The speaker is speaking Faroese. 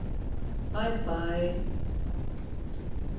bei bei